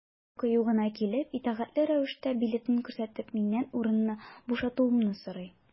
Ул кыю гына килеп, итәгатьле рәвештә билетын күрсәтеп, миннән урынны бушатуымны сорый.